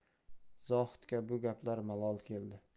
zohidga bu gaplar malol keldi